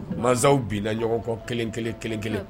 Masaw binna ɲɔgɔn kɔ kelen kelen kelen-kelen